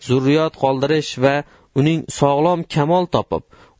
zurriyot qoldirish va uning sog'lom kamol topib